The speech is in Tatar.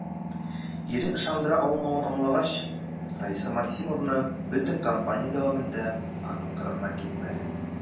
Ирен ышандыра алмавын аңлагач, Раиса Максимовна бөтен кампания дәвамында аның кырыннан китмәде.